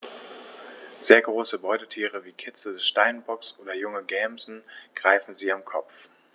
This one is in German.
Sehr große Beutetiere wie Kitze des Steinbocks oder junge Gämsen greifen sie am Kopf.